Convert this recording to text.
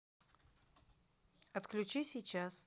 отключи сейчас